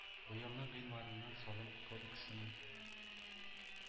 Быелның гыйнварыннан Салым кодексына